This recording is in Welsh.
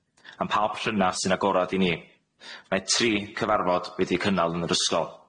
Am sy'n agorad i ni, mae tri cyfarfod wedi'u cynnal yn yr ysgol.